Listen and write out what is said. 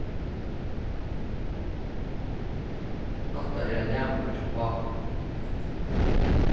hatta er ein næmingur hjá pápa